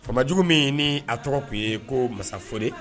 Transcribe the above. Fa ma jugu min ni a tɔgɔ tun ye ko mansafoli